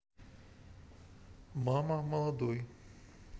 мама молодой